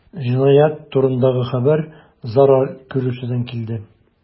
Җинаять турындагы хәбәр зарар күрүчедән килде.